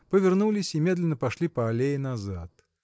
повернулись и медленно пошли по аллее назад.